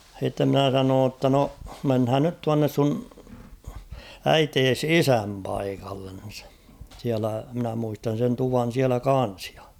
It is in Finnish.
sitten minä sanoin jotta no mennään nyt tuonne sinun äitisi isän paikalle siellä minä muistan sen tuvan siellä kanssa ja